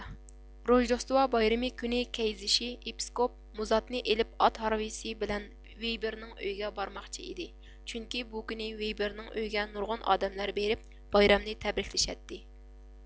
روژدوستىۋا بايرىمى كۈنى كەيزىشى ئىپىسكوپ مۇزاتنى ئېلىپ ئات ھارۋىسى بىلەن ۋىيبىرنىڭ ئۆيىگە بارماقچى ئىدى چۈنكى بۇ كۈنى ۋىيبىرنىڭ ئۆيىگە نۇرغۇن ئادەملەر بېرىپ بايرامنى تەبرىكلىشەتتى